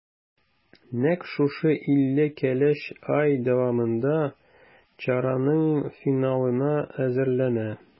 Нәкъ шушы илле кәләш ай дәвамында чараның финалына әзерләнә.